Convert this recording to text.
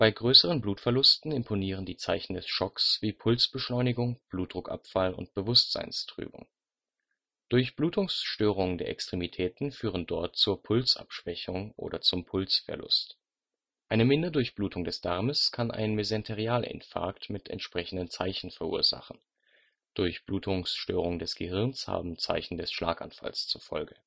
größeren Blutverlusten imponieren die Zeichen des Schocks wie Pulsbeschleunigung, Blutdruckabfall und Bewusstseinstrübung. Durchblutungsstörungen der Extremitäten führen dort zur Pulsabschwächung oder zum Pulsverlust. Eine Minderdurchblutung des Darmes kann einen Mesenterialinfarkt mit entsprechenden Zeichen verursachen, Durchblutungsstörungen des Gehirns haben Zeichen des Schlaganfalls zur Folge